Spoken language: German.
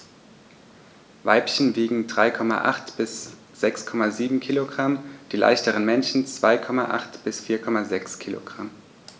Weibchen wiegen 3,8 bis 6,7 kg, die leichteren Männchen 2,8 bis 4,6 kg.